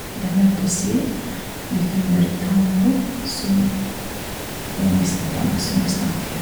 Der møtes vi, det er kun bare tango som eneste tema som vi snakker.